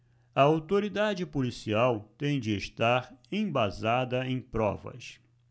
a autoridade policial tem de estar embasada em provas